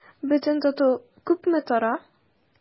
Бөтен тату күпме тора?